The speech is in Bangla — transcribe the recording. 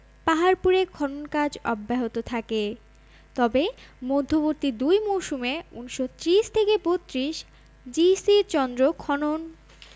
পাহাড়পুরে খনন কাজ অব্যাহত থাকে তবে মধ্যবর্তী দুই মৌসুমে ১৯৩০ ৩২ জি.সি চন্দ্র খনন